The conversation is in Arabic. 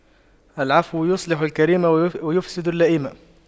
العفو يصلح الكريم ويفسد اللئيم